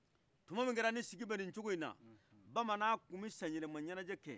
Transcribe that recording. tumamina ni sigi tun bɛ ni cogoyina bamanan tun bɛ san yɛlɛma ɲɛnɛjɛkɛ